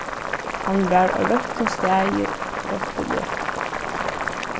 hann var á røttum staði røttu løtuna